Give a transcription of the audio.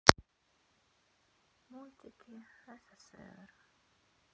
мультики ссср